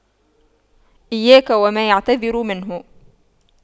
إياك وما يعتذر منه